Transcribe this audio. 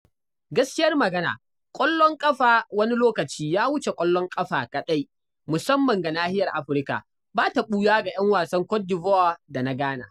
Gaskiyar magana ƙwallon ƙafa wani lokaci “ya wuce ƙwallon ƙafa kaɗai” musamman ga Nahiyar Afirka, ba ta ɓuya ga ‘yan wasan Côte d’Ivoire da na Ghana.